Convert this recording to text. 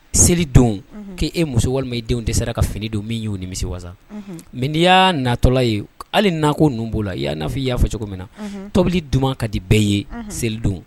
Selidon k'e muso walima ye e denw tɛ sera ka fini don min y'o ni misi wasan mɛ n'i y'a natɔla ye hali n'a ko n b'o la i' n'a fɔ i y'a fɔ cogo min na tobili duman ka di bɛɛ ye selidon